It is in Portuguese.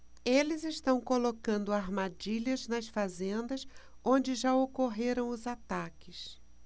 eles estão colocando armadilhas nas fazendas onde já ocorreram os ataques